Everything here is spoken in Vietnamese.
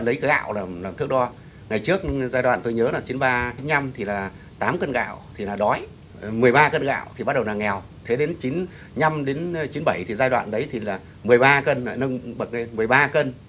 lấy gạo làm thước đo ngày trước giai đoạn tôi nhớ là chín ba nhăm thì là tám cân gạo thì là đói mười ba cân gạo thì bắt đầu là nghèo thế đến chín nhăm đến chín bảy thì giai đoạn đấy thì là mười ba cần lại nâng bậc lên mười ba cân